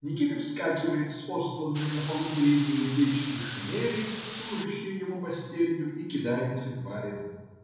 Никита вскакивает с постланной на полу передней у печки шинели, служащей ему постелью, и кидается к барину.